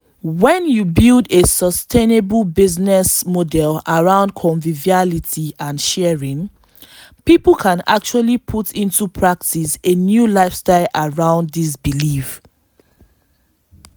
When you build a sustainable business model around conviviality and sharing, people can actually put into practice a new lifestyle around this belief.